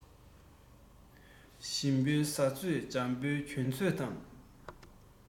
སྐྱིད པོ བྱེད ཚོད སྡུག པོའི འཁུར ཚོད དང